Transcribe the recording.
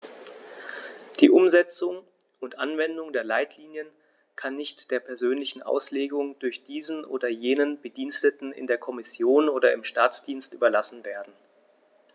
Die Umsetzung und Anwendung der Leitlinien kann nicht der persönlichen Auslegung durch diesen oder jenen Bediensteten in der Kommission oder im Staatsdienst überlassen werden.